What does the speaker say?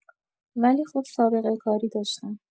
ولی خب سابقه کاری داشتم